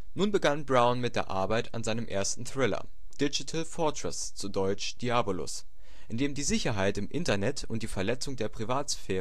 Nun begann Brown mit der Arbeit an seinem ersten Thriller Digital Fortress (deutsch: Diabolus), in dem die Sicherheit im Internet und die Verletzung der Privatsphäre